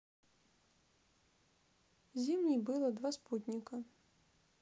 зимний было два спутника